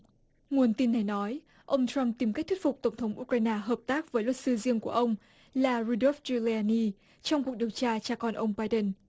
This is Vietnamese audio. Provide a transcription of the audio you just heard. nguồn tin này nói ông trăm tìm cách thuyết phục tổng thống u cờ rai na hợp tác với luật sư riêng của ông là ru đốp giu li a ni trong cuộc điều tra cha con ông bai đừn